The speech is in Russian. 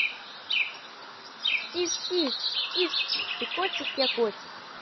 kiskis киски ты котик я котик